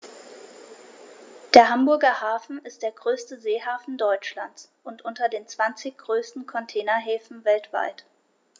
Der Hamburger Hafen ist der größte Seehafen Deutschlands und unter den zwanzig größten Containerhäfen weltweit.